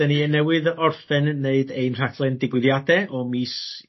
'dyn ni yn newydd yy orffen neud ein rhaglen digwyddiade o mis